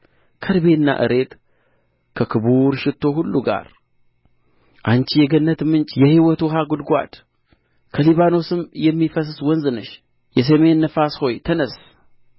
ከርቤና እሬት ከክቡር ሽቱ ሁሉ ጋር አንቺ የገነት ምንጭ የሕይወት ውኃ ጕድጓድ ከሊባኖስም የሚፈስስ ወንዝ ነሽ የሰሜን ነፋስ ሆይ ተነሥ